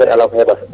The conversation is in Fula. e ala ko waɗata